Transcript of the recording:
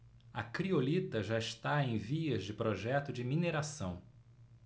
a criolita já está em vias de projeto de mineração